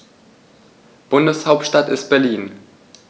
Bundeshauptstadt ist Berlin.